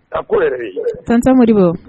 A ko san tan mori